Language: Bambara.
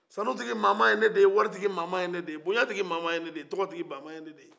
sanutigi mama ye ne de ye waritigi mama ye ne de ye bonyatigi mama ye ne de ye tɔgɔtigi mama ye ne de ye